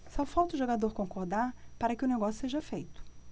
só falta o jogador concordar para que o negócio seja feito